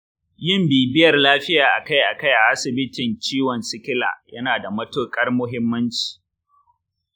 yin bibiyar lafiya akai-akai a asibitin ciwon sikila yana da matuƙar muhimmanci.